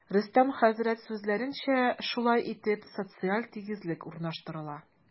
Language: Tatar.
Рөстәм хәзрәт сүзләренчә, шулай итеп, социаль тигезлек урнаштырыла.